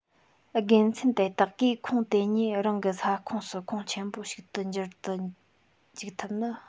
དགེ མཚན དེ དག གིས ཁོངས དེ ཉིད རང གི ས ཁོངས སུ ཁོངས ཆེན པོ ཞིག ཏུ འགྱུར དུ འཇུག ཐུབ སྟབས